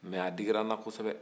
mais a digira n na kɔsɛbɛ